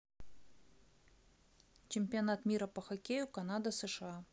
чемпионат мира по хоккею канада сша